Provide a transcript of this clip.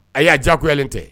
A y'a diya kuyalen tɛ